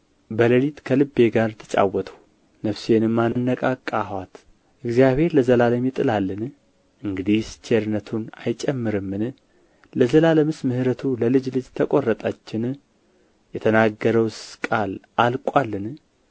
በሌሊት ከልቤ ጋር ተጫወትሁ ነፍሴንም አነቃቃኋት እግዚአብሔር ለዘላለም ይጥላልን እንግዲህስ ቸርነቱን አይጨምርምን ለዘላለምስ ምሕረቱ ለልጅ ልጅ ተቈረጠችን የተናገረውስ ቃል አልቆአልን